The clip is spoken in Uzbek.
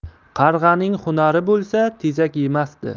qaig'aning hunari bo'lsa tezak yemasdi